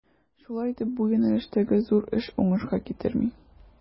Шулай итеп, бу юнәлештәге зур эш уңышка китерми.